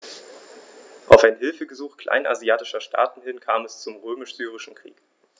Auf ein Hilfegesuch kleinasiatischer Staaten hin kam es zum Römisch-Syrischen Krieg.